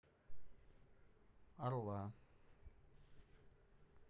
орла